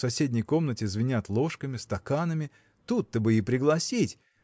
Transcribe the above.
В соседней комнате звенят ложками, стаканами тут-то бы и пригласить